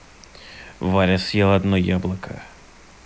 валя съел одно яблоко